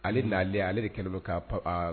Ale n'ale ale de kɛlɛ ka panp